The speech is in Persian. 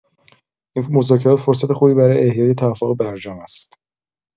این مذاکرات فرصت خوبی برای احیای توافق برجام است.